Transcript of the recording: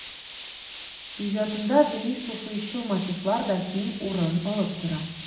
Иҗатында дини-суфыйчыл мотивлар да киң урын алып тора.